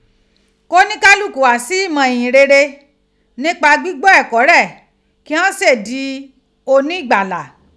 Konikaluku gha si imo iyinrere nipa gbigbo eko re ki ghan se di oni igbala.